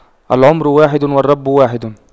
العمر واحد والرب واحد